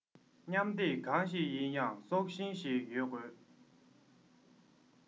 མཉམ སྡེབ གང ལ ཡང སྲོག ཤིང ཞིག ཡོད དགོས